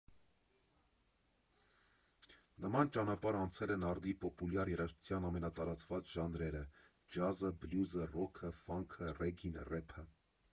Նման ճանապարհ անցել են արդի պոպուլյար երաժշտության ամենատարածված ժանրերը՝ ջազը, բլյուզը, ռոքը, ֆանքը, ռեգին, ռեփը։